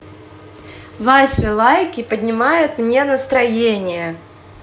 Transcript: ваши лайки поднимают мне настроение